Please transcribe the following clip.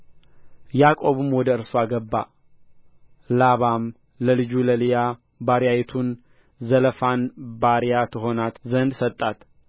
ያዕቆብም ወደ እርስዋ ገባ ላባም ለልጁ ለልያ ባሪያይቱን ዘለፋን ባርያ ትሆናት ዘንድ ሰጣት